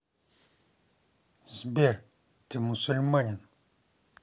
сбер ты мусульманин